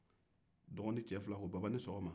dɔgɔnin cɛ fila ko baba ni sɔgɔma